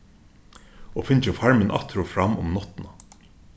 og fingið farmin aftur og fram um náttina